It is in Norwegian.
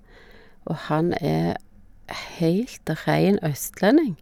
Og han er heilt rein østlending.